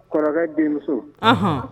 Kɔrɔkɛ denmuso